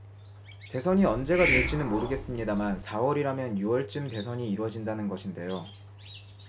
대선이 언제가 될지는 모르겠습니다만 사 월이라면 유 월쯤 대선이 이뤄진다는 것인데요